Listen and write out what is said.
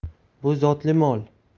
bu zotli mol